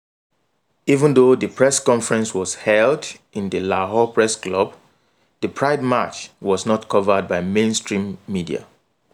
Even though the press conference was held in the Lahore Press Club the Pride March was not covered by mainstream media.